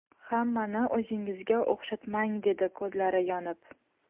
hammani o'zingizga o 'xshatmang dedi ko'zlari yonib